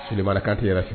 Sulemana kantɛ yɛrɛ filɛ